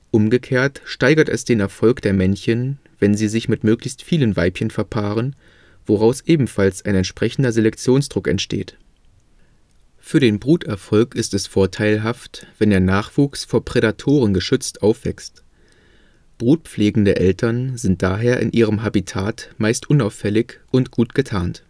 Umgekehrt steigert es den Erfolg der Männchen, wenn sie sich mit möglichst vielen Weibchen verpaaren, woraus ebenfalls ein entsprechender Selektionsdruck entsteht. Für den Bruterfolg ist es vorteilhaft, wenn der Nachwuchs vor Prädatoren geschützt aufwächst. Brutpflegende Eltern sind daher in ihrem Habitat meist unauffällig und gut getarnt